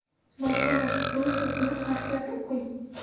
marhamat bu so'zni harflab o'qing